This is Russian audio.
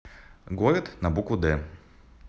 город на букву д